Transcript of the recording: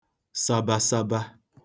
sabsaba